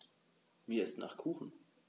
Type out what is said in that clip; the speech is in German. Mir ist nach Kuchen.